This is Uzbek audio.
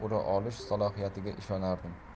ura olish salohiyatiga ishonardim